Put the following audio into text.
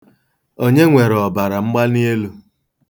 Onye nwere ọbaramgbalielu?